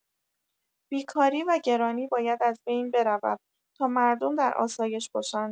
بیکاری و گرانی باید از بین برود تا مردم در آسایش باشند.